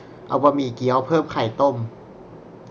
เอาบะหมี่เกี๊ยวเพิ่มไข่ต้ม